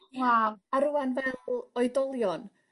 Waw arwain fel o- oedolion.